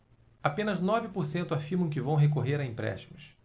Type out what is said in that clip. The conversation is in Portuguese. apenas nove por cento afirmam que vão recorrer a empréstimos